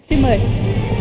xin mời